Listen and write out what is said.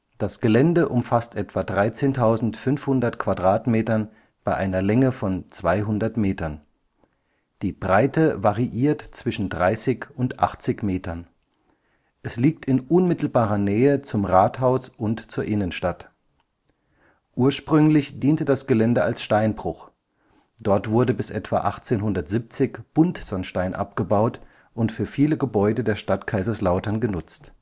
Das Gelände umfasst etwa 13.500 m² bei einer Länge von 200 Metern. Die Breite variiert zwischen 30 und 80 Metern. Es liegt in unmittelbarer Nähe zum Rathaus und zur Innenstadt. Ursprünglich diente das Gelände als Steinbruch; dort wurde bis etwa 1870 Buntsandstein abgebaut und für viele Gebäude der Stadt Kaiserslautern genutzt